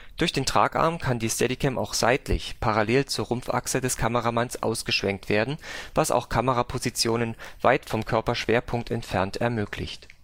Durch den Tragarm kann die Steadicam auch seitlich, parallel zur Rumpfachse des Kameramanns, ausgeschwenkt werden, was auch Kamerapositionen weit vom Körperschwerpunkt entfernt ermöglicht